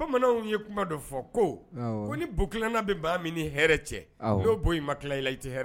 Bamananww ye kuma dɔ fɔ ko ko ni bonkkina bɛ ban min ni hɛrɛ cɛ n'o bɔ mala i tɛ hɛrɛ